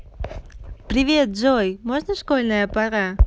привет джой можно школьная пора